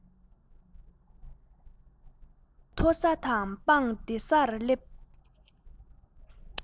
རི མཐོ ས དང སྤང བདེ སར སླེབས